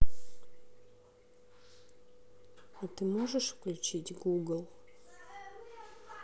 а ты можешь включить гугл